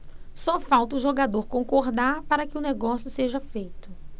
só falta o jogador concordar para que o negócio seja feito